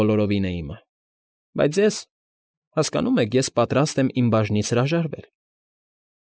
Բոլորովին է իմը, բայց ես… հասկանո՞ւմ եք, ես պատրաստ եմ իմ բաժնից հրաժարվել։